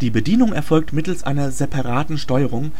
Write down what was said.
Bedienung erfolgt mittels einer separaten Steuerung